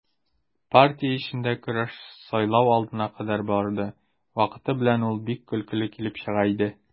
Партия эчендә көрәш сайлау алдына кадәр барды, вакыты белән ул бик көлкеле килеп чыга иде.